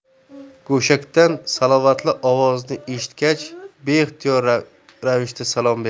go'shakdan salobatli ovozni eshitgach beixtiyor ravishda salom berdi